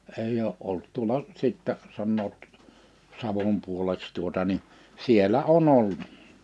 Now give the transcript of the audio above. ei ole ollut tuolla sitten sanovat Savon puoleksi tuota niin siellä on ollut